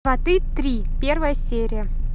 сваты три первая серия